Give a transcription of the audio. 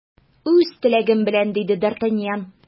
Үз теләгем белән! - диде д’Артаньян.